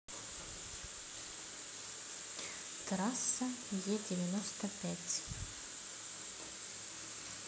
трасса е девяносто пять